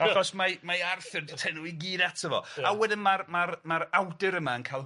Achos mae mae Arthur 'di tynnu nw gyd ato fo a wedyn ma'r ma'r ma'r awdur yma'n ca'l